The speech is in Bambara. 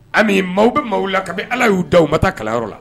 Ami maaw bɛ maaw la kabi ala y'u da aw u ma taa kalayɔrɔ la